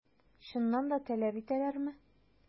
Чыннан да таләп итәләрме?